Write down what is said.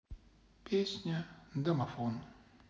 песня домофон